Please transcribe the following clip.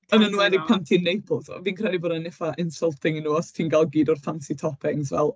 Yn enwedig... cytuno ...pan ti'n Naples. O, fi'n credu bod e'n eitha insulting i nhw os ti'n cael gyd o'r fancy toppings fel.